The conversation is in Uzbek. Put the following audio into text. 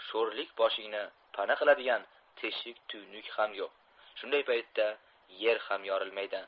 sho'rlik boshingni pana qiladigan teshik tuynuk ham yo'q shunday paytda yer ham yorilmaydi